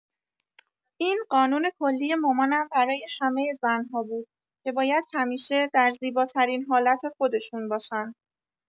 این قانون کلی مامانم برای همه زن‌ها بود که باید همیشه، در زیباترین حالت خودشون باشن!